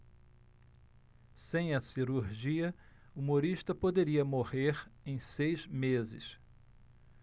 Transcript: sem a cirurgia humorista poderia morrer em seis meses